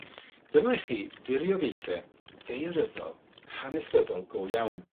Dyma i chi diriogaethe daearyddol hanesyddol go iawn.